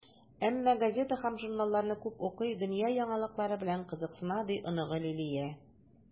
Әмма газета һәм журналларны күп укый, дөнья яңалыклары белән кызыксына, - ди оныгы Лилия.